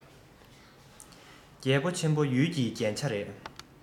རྒྱལ པོ ཆེན པོ ཡུལ གྱི རྒྱན ཆ རེད